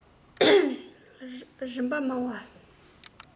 རིམ པ མང བ